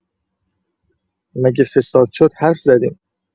مگه فساد شد حرف زدیم؟